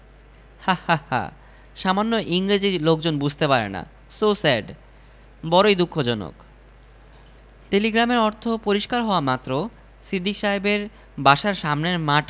দুটায় ত্রিশ plus carrying cost ট্রাকে করে তো আর আনা যাবে না পানির ট্যাংকে করে আনতে হবে আমাদের ইলেকশনে পাশ ফেল নির্ভর করছে কুমীরের উপর জ্যান্ত কুমীর চলে এলে কর্মীদের মধ্যেও